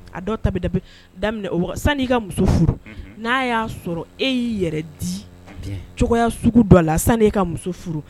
A dɔw ta bi daminɛ o waati. Sani i ka muso furu bien , na ya sɔrɔ e yi yɛrɛ di cogoya sugu dɔ la sanika muso furu